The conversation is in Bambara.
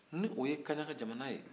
ni o ye kaɲaka jamana ye